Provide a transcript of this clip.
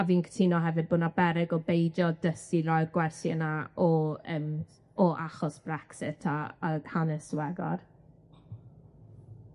A fi'n cytuno hefyd bo' 'na beryg o beidio dysgu roi'r gwersi yna o yym o achos Brexit a a'r hanes diweddar.